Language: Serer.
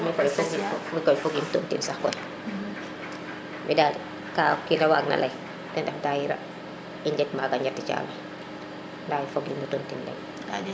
mi koy fogim tontine sax koy mi daal ka kina waag na ley ten ref dayra i njeg maga ñeti caabi nda fogim no tontine leŋ